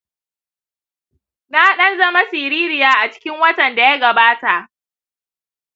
na dan zama sirirya a cikin watan daya gabata